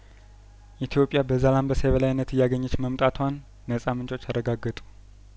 ኢትዮጵያ በዛላንበሳ የበላይነት እያገኘች መምጣቷን ነጻምንጮች አረጋገጡ